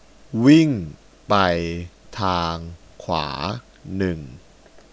วิ่งไปทางขวาหนึ่ง